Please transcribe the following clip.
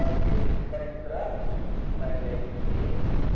avdiy kallistratovning manglayi keng